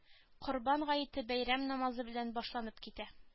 Корбан гаете бәйрәм намазы белән башланып китә